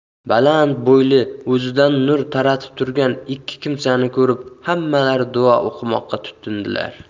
baland bo'yli o'zidan nur taratib turgan ikki kimsani ko'rib hammalari duo o'qimoqqa tutindilar